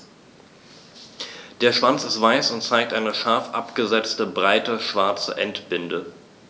Der Schwanz ist weiß und zeigt eine scharf abgesetzte, breite schwarze Endbinde.